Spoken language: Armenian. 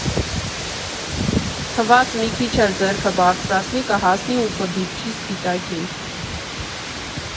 Թվաց՝ մի քիչ էլ ձեռքը բարձրացնի, կհասնի ու կդիպչի սպիտակին։